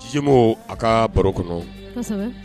Sbo a ka baro kɔnɔ